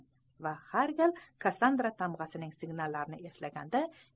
va har gal kassandra tamg'asining signallarini eslaganda